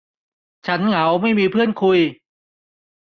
ฉันเหงาไม่มีเพื่อนคุย